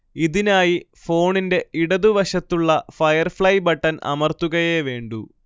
ഇതിനായി ഫോണിന്റെ ഇടതുവശത്തുള്ള ഫയർഫ്ളൈ ബട്ടൺ അമർത്തുകയേ വേണ്ടൂ